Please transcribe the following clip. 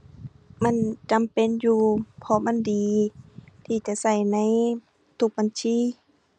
มันจำเป็นอยู่ เพราะมันดีที่จะใช้ในทุกบัญชี